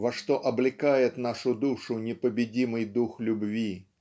во что облекает нашу душу непобедимый дух любви.